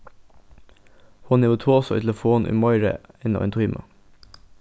hon hevur tosað í telefon í meira enn ein tíma